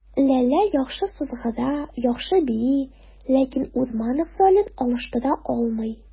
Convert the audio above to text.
Ләлә яхшы сызгыра, яхшы бии, ләкин Урманов ролен алыштыра алмый.